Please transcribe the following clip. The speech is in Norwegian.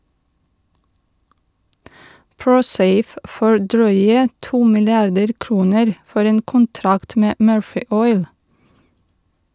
"Prosafe" får drøye to milliarder kroner for en kontrakt med "Murphy Oil".